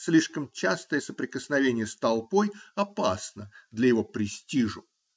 слишком частое соприкосновение с толпой опасно для его престижа